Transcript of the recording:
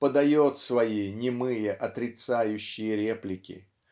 подает свои немые отрицающие реплики.